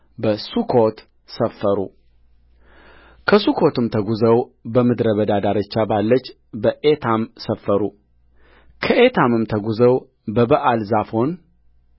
ከሱኮትም ተጕዘው በምድረ በዳ ዳርቻ ባለች በኤታም ሰፈሩከኤታምም ተጕዘው በበኣልዛፎን